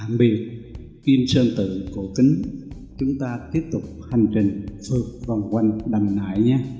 tạm biệt kim sơn tự cổ kính chúng ta tiếp tục hành trình phươt vòng quanh đầm nại nhé